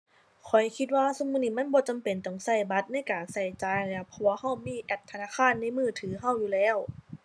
ข้อยคิดว่าซุมื้อนี้มันบ่จำเป็นต้องใช้บัตรในการใช้จ่ายแล้ว เพราะว่าใช้มีแอปธนาคารในมือถือใช้อยู่แล้ว